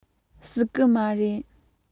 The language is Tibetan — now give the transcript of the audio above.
སྲིད གི མ རེད